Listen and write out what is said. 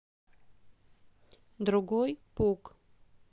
другой пук